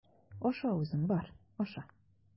Аша үзең, бар, аша!